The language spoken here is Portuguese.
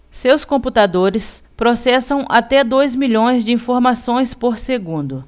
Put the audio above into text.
seus computadores processam até dois milhões de informações por segundo